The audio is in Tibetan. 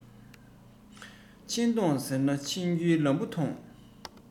ཕྱིན གཏོང ཟེར ན ཕྱིན རྒྱུའི ལམ བུ ཐོང